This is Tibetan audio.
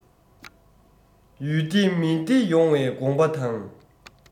ཡུལ བདེ མི བདེ ཡོང བའི དགོངས པ དང